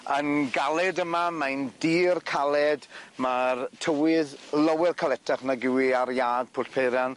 ...yn galed yma mae'n dir caled ma'r tywydd lower caletach nag yw 'i ar iard Pwll Peiran.